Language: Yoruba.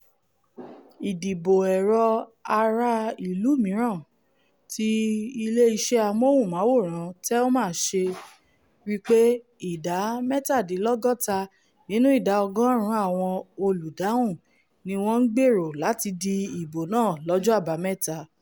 Ìdìbò èrò ara ìlú mìíràn, tí ilé iṣẹ́ Amóhùnmáwòrán Telma ṣe, ríi pé ìdá mẹ́tàdínlọ́gọ́ta nínú ìdá ọgọ́ọ̀rún àwọn olùdáhùn ni wọ́n ńgbèrò láti di ìbò náà lọ́jọ́ Àbámẹ́ta.